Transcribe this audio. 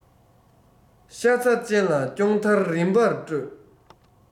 ཤ ཚ ཅན ལ སྐྱོང མཐར རིམ པར སྤྲོད